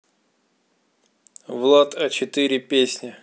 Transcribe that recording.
влад а четыре песня